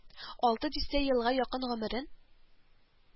Алты дистә елга якын гомерен